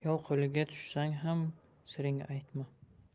yov qo'liga tushsang ham siring aytma